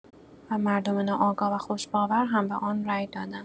و مردم ناآگاه و خوش‌باور هم به آن رای دادند.